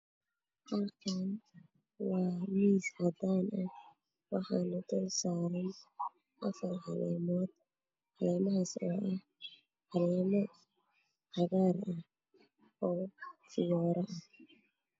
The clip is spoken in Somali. Halkaan waa miis cadaan ah waxaana dul saaran afar caleemood oo ah caleemo cagaar ah oo u eg fiyooraha